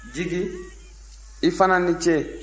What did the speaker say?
jigi i fana ni ce